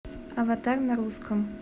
аватар на русском